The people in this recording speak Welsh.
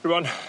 Rŵan